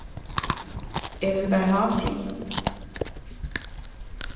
eg vil bara hava frið